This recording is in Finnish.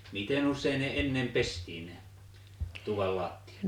miten usein ne ennen pestiin ne tuvan lattiat